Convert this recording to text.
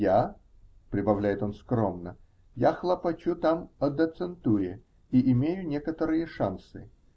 я, -- прибавляет он скромно, -- хлопочу там о доцентуре и имею некоторые шансы.